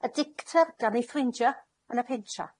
Y dicter gan eu ffrindia yn y pentra.